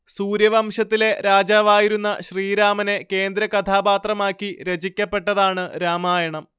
സൂര്യവംശത്തിലെ രാജാവായിരുന്ന ശ്രീരാമനെ കേന്ദ്രകഥാപാത്രമാക്കി രചിക്കപ്പെട്ടതാണ് രാമായണം